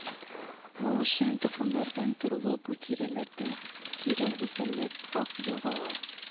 Уалучан токымнардан торуы бу тирәләрдә тирән үзәнле вак елгалар